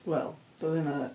Wel, doedd hynna...